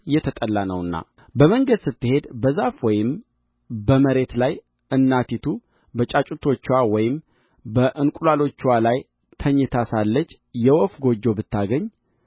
የተጠላ ነውና በመንገድ ስትሄድ በዛፍ ወይም በመሬት ላይ እናቲቱ በጫጩቶችዋ ወይም በእንቍላሎችዋ ላይ ተኝታ ሳለች የወፍ ጎጆ ብታገኝ